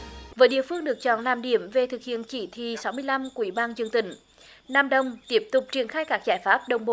với địa phương được chọn làm điểm về thực hiện chỉ thị sáu mươi lăm quỷ bàng trường tỉnh nam đồng tiếp tục triển khai các giải pháp đồng bộ